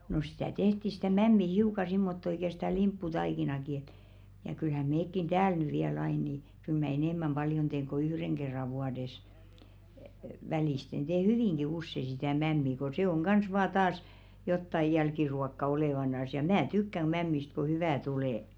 no sitä tehtiin sitä mämmiä hiukan semmottoon ikään sitä limpputaikinaakin että ja kyllähän mekin täällä nyt vielä aina niin kyllä minä enemmän paljon teen kuin yhden kerran vuodessa välillä teen hyvinkin usein sitä mämmiä kun se on kanssa vain taas jotakin jälkiruokaa olevinaan ja minä tykkään - mämmistä kun hyvää tulee